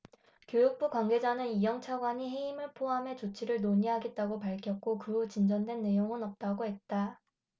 교육부 관계자는 이영 차관이 해임을 포함해 조치를 논의하겠다고 밝혔고 그 후 진전된 내용은 없다고 했다